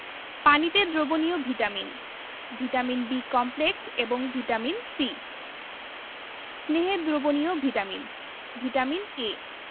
পানিতে দ্রবণীয় vitamin vitamin B complex এবং ভিটামিন C স্নেহে দ্রবণীয় ভিটামিন ভিটামিন A